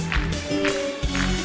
núi